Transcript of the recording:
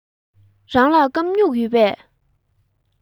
རང ལ སྐམ སྨྱུག ཡོད པས